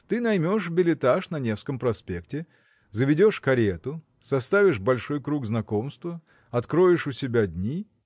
ты наймешь бельэтаж на Невском проспекте заведешь карету составишь большой круг знакомства откроешь у себя дни?